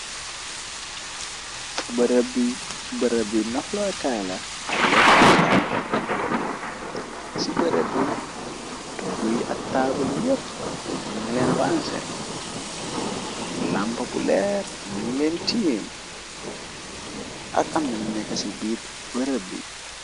brb bi barëb bi naflokaay la at lekwa kaay ci bërab bi toogu yi ak taabuli yep niñ leen ranse lampa bu leer niñ leen tiim ak am nañu nekk ci biit bërab bi.